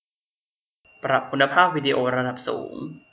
ปรับคุณภาพวิดีโอระดับสูง